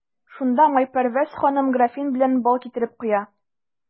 Шунда Майпәрвәз ханым графин белән бал китереп куя.